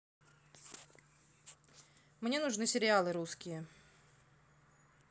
мне нужны сериалы русские